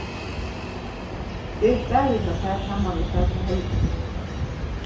ber svarið hjá tær saman við tað hjá helgu